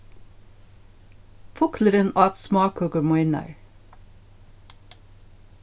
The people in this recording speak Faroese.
fuglurin át smákøkur mínar